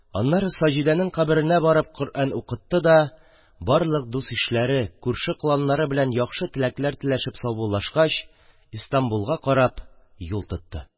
Аннары Саҗидәнең каберенә барып Коръән укытты да, барлык дус-ишләре, күрше-коланнары белән яхшы теләкләр теләшеп саубуллашкач, Истанбулга карап юл тотты.